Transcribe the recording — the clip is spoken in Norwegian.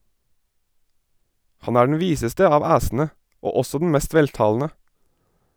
Han er den viseste av æsene og også den mest veltalende.